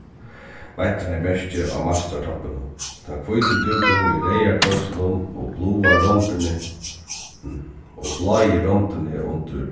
veittraði merkið á mastrartoppinum tann hvíti dúkurin við reyða krossinum og bláa rondini og blái rondini undir